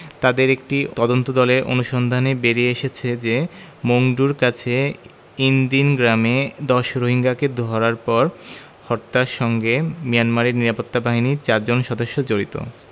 তাদের একটি তদন্তদলের অনুসন্ধানে বেরিয়ে এসেছে যে মংডুর কাছে ইনদিন গ্রামে ১০ রোহিঙ্গাকে ধরার পর হত্যার সঙ্গে মিয়ানমারের নিরাপত্তা বাহিনীর চারজন সদস্য জড়িত